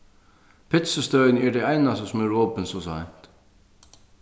pitsustøðini eru tey einastu sum eru opin so seint